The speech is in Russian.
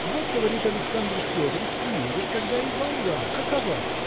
Вот, говорит, Александр Федорыч приедет, тогда и вам дам. Какова?